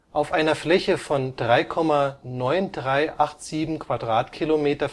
Hauptwohnsitz